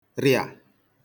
rịà